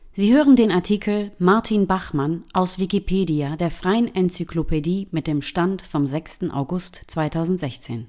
Sie hören den Artikel Martin Bachmann, aus Wikipedia, der freien Enzyklopädie. Mit dem Stand vom Der